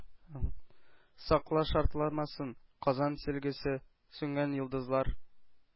Сакла, шартламасын!» , «Казан сөлгесе», «Сүнгәң йолдызлар»,